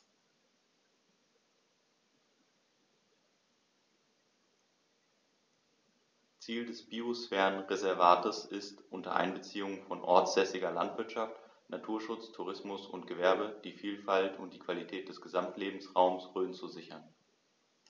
Ziel dieses Biosphärenreservates ist, unter Einbeziehung von ortsansässiger Landwirtschaft, Naturschutz, Tourismus und Gewerbe die Vielfalt und die Qualität des Gesamtlebensraumes Rhön zu sichern.